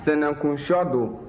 senenkunshɔ don